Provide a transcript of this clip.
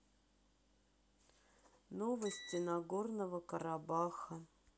новости нагорного карабаха